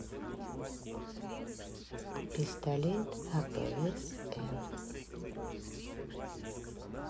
пистолет апс м